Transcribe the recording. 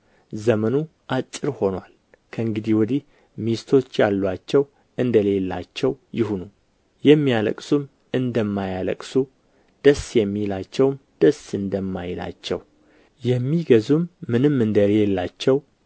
ዘመኑ አጭር ሆኖአል ከእንግዲህ ወዲህ ሚስቶች ያሉአቸው እንደሌላቸው ይሁኑ የሚያለቅሱም እንደማያለቅሱ ደስ የሚላቸውም ደስ እንደማይላቸው የሚገዙም ምንም እንደሌላቸው